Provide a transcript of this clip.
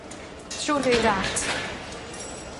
Trw'r un gât.